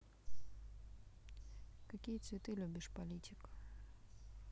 какие цветы любишь политик